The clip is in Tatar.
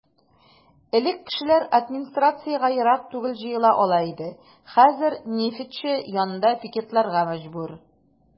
Элек кешеләр администрациягә ерак түгел җыела ала иде, хәзер "Нефтьче" янында пикетларга мәҗбүр.